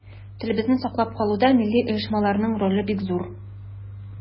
Телебезне саклап калуда милли оешмаларның роле бик зур.